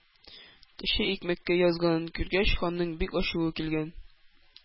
Төче икмәккә язганын күргәч, ханның бик ачуы килгән: